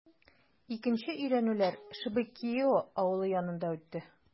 Икенче өйрәнүләр Шебекиио авылы янында үтте.